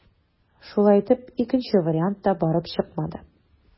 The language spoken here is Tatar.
Шулай итеп, икенче вариант та барып чыкмады.